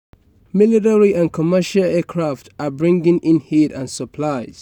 Military and commercial aircraft are bringing in aid and supplies.